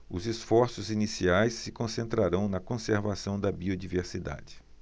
os esforços iniciais se concentrarão na conservação da biodiversidade